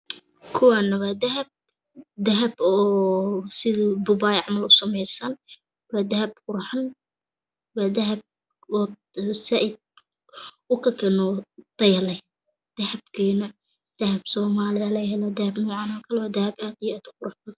Kuwan wa dahab oo sidi dubay camal u samaysanwa dahab qurxan wa dahab zaid tayo leh dahab kena somaliya laga helo dahabka nocan o kle wa dahab ad u qurxan